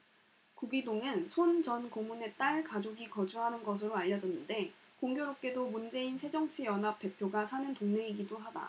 구기동은 손 전 고문의 딸 가족이 거주하는 것으로 알려졌는데 공교롭게도 문재인 새정치연합 대표가 사는 동네이기도 하다